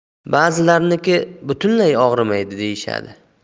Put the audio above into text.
bazilariniki butunlay og'rimaydi deyishadi